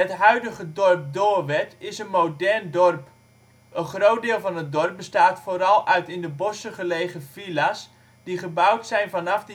huidige dorp Doorwerth is een modern dorp. Een groot deel van dorp bestaat vooral uit in de bossen gelegen villa 's die gebouwd zijn vanaf